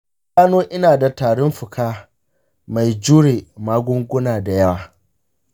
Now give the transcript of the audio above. an gano ina da tarin fuka mai jure magunguna da yawa.